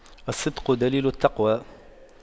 الصدق دليل التقوى